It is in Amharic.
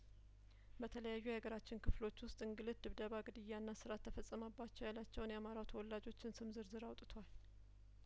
በተለያዩ የሀገራችን ክፍሎች ውስጥ እንግልት ድብደባ ግድያና እስራት ተፈጸመባቸው ያላቸውን የአማራው ተወላጆችን ስም ዝርዝር አውጥቷል